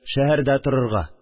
Шәһәрдә торырга